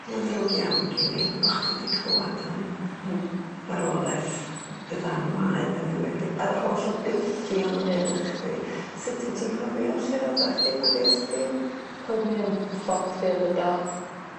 ma'n ddrwg iawn gin i bo' chdi 'di clwad am... Hmm. ...farwolaeth dy fam waed yn enwedig a'r y holl obeithion o' gennoch... Ie. ...chdi sut wt ti'n cofio lle roddach di pan ges di... Oeddwn i yn fflat fi efo dad.